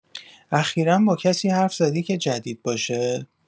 اخیرا با کسی حرف زدی که جدید باشه؟